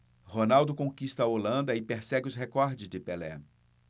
ronaldo conquista a holanda e persegue os recordes de pelé